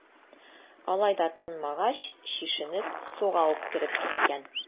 Алай да тынмагач, чишенеп, суга ук кереп киткән.